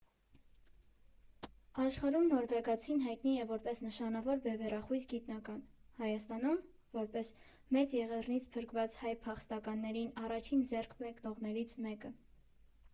Աշխարհում նորվեգացին հայտնի է որպես նշանավոր բևեռախույզ գիտնական, Հայաստանում՝ որպես Մեծ Եղեռնից փրկված հայ փախստականներին առաջին ձեռք մեկնողներից մեկը.